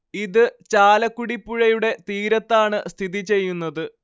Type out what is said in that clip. ഇത് ചാലക്കുടി പുഴയുടെ തീരത്താണ് സ്ഥിതിചെയ്യുന്നത്